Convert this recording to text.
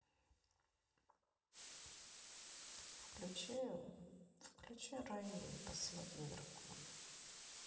включи включи райя и последний дракон